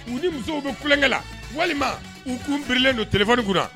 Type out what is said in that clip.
U ni musow bɛ tulonkɛ la, walima u kun birilen don téléphone kunna.